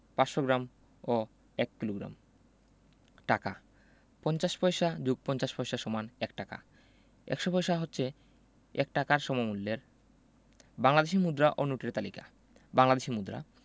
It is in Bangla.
৫০০ গ্রাম ও ১ কিলোগ্রাম টাকাঃ ৫০ পয়সা + ৫০ পয়সা = ১ টাকা ১০০ পয়সা হচ্ছে ১ টাকার সমমূল্যের বাংলাদেশি মুদ্রা ও নোটের তালিকাঃ বাংলাদেশি মুদ্রাঃ